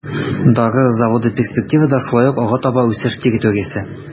Дары заводы перспективада шулай ук алга таба үсеш территориясе.